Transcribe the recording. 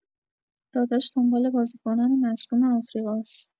داداش دنبال بازیکنان مصدوم آفریقاس